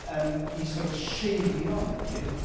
yym i sort of sheimio ni.